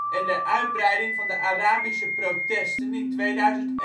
en de uitbreiding van de Arabische protesten van 2011